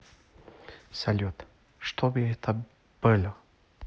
салют чтобы это было